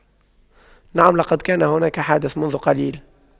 نعم لقد كان هناك حادث منذ قليل